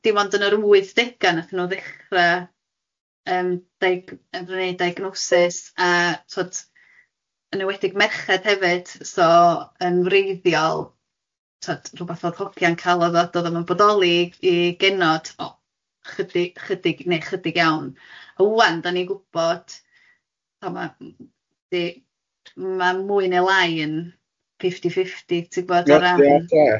dim ond yn yr wythdega wnaethon nhw ddechra yym deig- yn neud diagnosis a tibod yn enwedig merched hefyd so yn wreiddiol tibod rwbeth oedd hogiau'n cal odd o dodd o'm yn bodoli i genod o ychydig ychydig neu ychydig iawn a ŵan dan ni'n gwbod tibod ma' m- yy di- ma' mwy neu lai yn fifty fifty ti'n gwybod o ran... Ie, ie, ie.